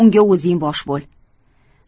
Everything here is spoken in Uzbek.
unga o'zing bosh bo'l